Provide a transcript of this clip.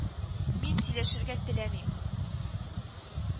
— мин сөйләшергә теләмим